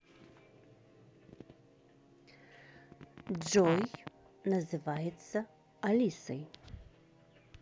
джой называет алисой